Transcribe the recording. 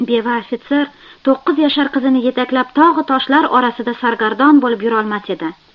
beva ofitser to'qqiz yashar qizini yetaklab tog'u toshlar orasida sargardon bo'lib yurolmas edi